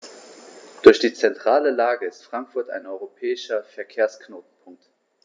Durch die zentrale Lage ist Frankfurt ein europäischer Verkehrsknotenpunkt.